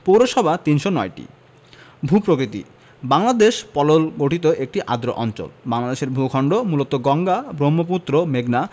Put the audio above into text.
পৌরসভা ৩০৯টি ভূ প্রকৃতিঃ বাংলদেশ পলল গঠিত একটি আর্দ্র অঞ্চল বাংলাদেশের ভূখন্ড মূলত গঙ্গা ব্রহ্মপুত্র মেঘনা